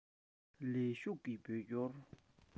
ལས ཞུགས ཀྱི བོད སྐྱོར